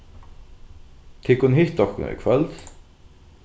tit kunnu hitta okkum í kvøld